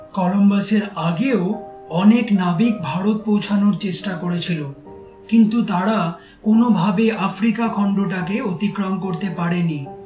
Columbus এর আগেও অনেক নাবিক ভারত পৌঁছনোর চেষ্টা করেছিল কিন্তু তারা কোনোভাবেই আফ্রিকা খণ্ডটি কে অতিক্রম করতে পারেনি